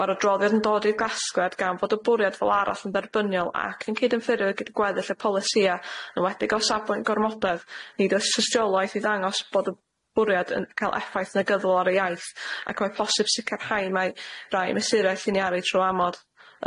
Ma'r adroddiad yn dod i'r gasgliad gan fod y bwriad fel arall yn dderbyniol ac yn cydynffurio gyda gweddill y polisia' yn enwedig o safbwynt gormodedd, nid o's tystiolaeth i ddangos bod y bwriad yn ca'l effaith negyddol ar y iaith ac mae posib sicrhau mae rai mesuraeth i ni aru trw' amod.